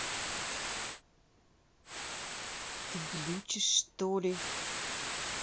ты глючишь что ли